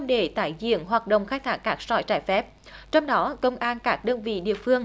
để tái diễn hoạt động khai thác cát sỏi trái phép trong đó công an các đơn vị địa phương